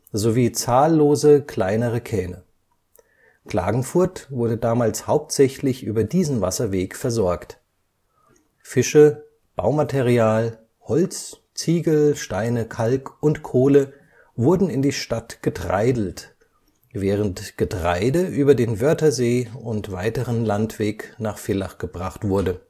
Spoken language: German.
sowie zahllose kleinere Kähne. Klagenfurt wurde damals hauptsächlich über diesen Wasserweg versorgt: Fische, Baumaterial, Holz, Ziegel, Steine, Kalk und Kohle wurden in die Stadt getreidelt, während Getreide über den Wörthersee und weiteren Landweg nach Villach gebracht wurde